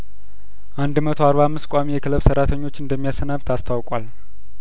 አንድ መቶ አርባ አምስት ቋሚ የክለብ ሰራተኞችን እንደሚያሰናብት አስታውቋል